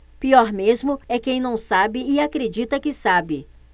pior mesmo é quem não sabe e acredita que sabe